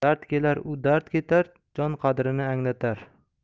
dard kelar u dard ketar jon qadrini anglatar